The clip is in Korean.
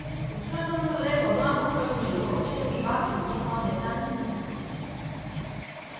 북한 선수들의 저조한 성적을 이유로 최룡해가 조기 소환됐다는 이야기다